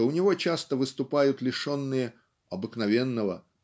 что у него часто выступают лишенные "обыкновенного